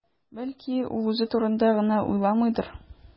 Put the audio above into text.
Бәлки, ул үзе турында гына уйламыйдыр?